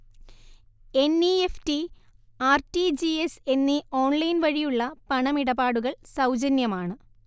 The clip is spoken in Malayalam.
N E F T, R T G S എന്നീ ഓൺലൈൻവഴിയുള്ള പണമിടപാടുകൾ സൗജന്യമാണ്